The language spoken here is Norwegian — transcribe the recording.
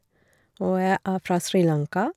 Og jeg er fra Sri Lanka.